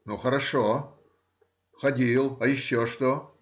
ну, хорошо — ходил; а еще что?